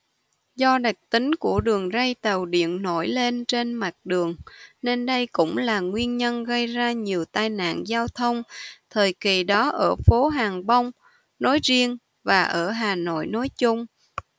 do đặc tính của đường ray tàu điện nổi lên trên mặt đường nên đây cũng là nguyên nhân gây ra nhiều tai nạn giao thông thời kỳ đó ở phố hàng bông nói riêng và ở hà nội nói chung